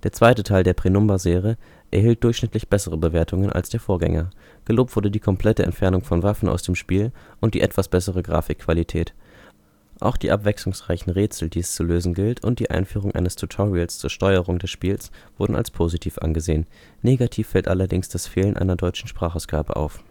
zweite Teil der Penumbra-Serie erhielt durchschnittlich bessere Bewertungen als der Vorgänger. Gelobt wurde die komplette Entfernung von Waffen aus dem Spiel und die etwas bessere Grafikqualität. Auch die abwechslungsreichen Rätsel, die es zu lösen gilt und die Einführung eines Tutorials zur Steuerung des Spiels wurden als positiv angesehen. Negativ fällt allerdings das Fehlen einer deutschen Sprachausgabe auf